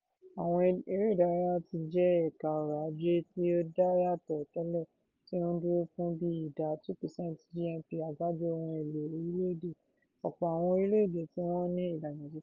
Àwọn eré ìdárayá ti jẹ́ ẹ̀ka ọrọ̀-ajé tí ó dá yàtọ̀ tẹ́lẹ̀, tí ó ń dúró fún bíi ìdá 2% GNP(Àgbájọ Ohun-èlò Orílẹ̀-èdè) ọ̀pọ̀ àwọn orílẹ̀-èdè tí wọ́n ti ní ìdàgbàsókè.